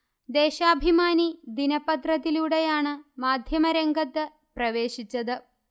ദേശാഭിമാനി ദിനപത്രത്തിലൂടെയാണു് മാധ്യമ രംഗത്ത് പ്രവേശിച്ചത്